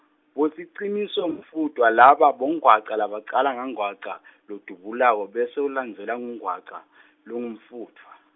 bosicinisamfutfwa laba bongwaca labacala ngangwaca , lodubulako bese ulandzelwa ngungwaca , longumfutfwa.